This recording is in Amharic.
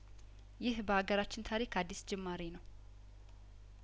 ይህ በአገራችን ታሪክ አዲስ ጅማሬ ነው